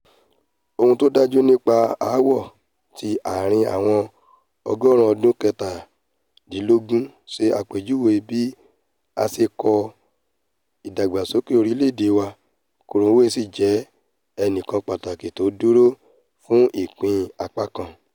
Ohun tó dáju nipé aáwọ̀ ti ààrin àwọn ọgọ́ọ̀rún ọdún kẹtàdínlógún se àpèjuwè bi a se kọ ìdàgbàsókè oríléède wa, Cromwell sìí jẹ ẹnìkan Pàtàkì tí o dúró fún ìpín apá kan.